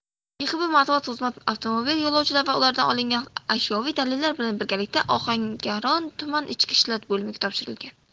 yhxb matbuot xizmatiavtomobil yo'lovchilar va ulardan olingan ashyoviy dalillar bilan birgalikda ohangaron tuman ichki ishlar bolimiga topshirilgan